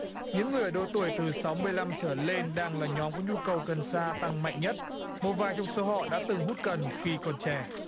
những người ở độ tuổi từ sáu mươi lăm trở lên đang là nhóm có nhu cầu cần sa tăng mạnh nhất một vài trong số họ đã từng hút cần khi còn trẻ